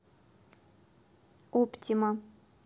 оптима